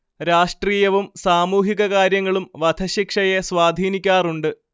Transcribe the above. രാഷ്ട്രീയവും സാമൂഹിക കാര്യങ്ങളും വധശിക്ഷയെ സ്വാധീനിക്കാറുണ്ട്